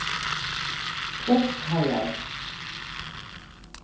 prestheiðar